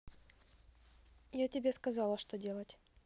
я тебе сказала что делать